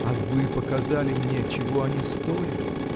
– А вы показали мне, чего они стоят.